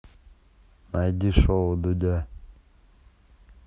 найди шоу дудя